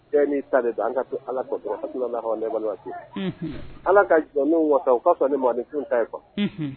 Bɛɛ n'i ta don an ka to Ala kɔ dɔrɔn unhun, Ala ka jɔnnin wasa ka fisa ni maaninfin ta ye quoi_ unhun